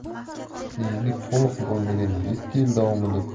keyingi to'liq bo'lmagan yetti yil davomida